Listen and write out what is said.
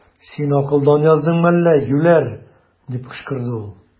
Син акылдан яздыңмы әллә, юләр! - дип кычкырды ул.